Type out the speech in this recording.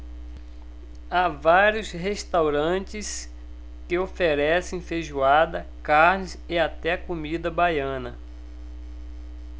há vários restaurantes que oferecem feijoada carnes e até comida baiana